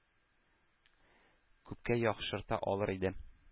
Күпкә яхшырта алыр иде.